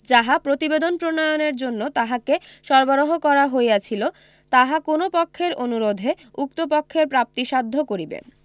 যাহা প্রতিবেদন প্রণয়নের জন্য তাহাকে সরবরাহ করা হইয়াছিল তাহা কোন পক্ষের অনুরোধে উক্ত পক্ষের প্রাপ্তিসাধ্য করিবে